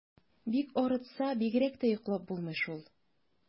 Бик арытса, бигрәк тә йоклап булмый шул.